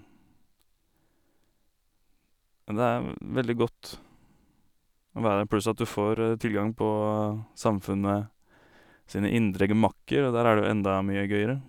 Og det er veldig godt å være der, pluss at du får tilgang på Samfundet sine indre gemakker, og der er det jo enda mye gøyere.